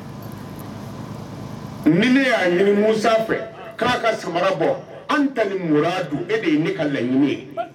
Min y a ɲini mu sanfɛ k a a ka samara bɔ an ntalen m a dun e de ye ne ka laɲini ye